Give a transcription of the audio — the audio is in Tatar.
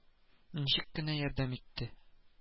: ничек кенә ярдәм итте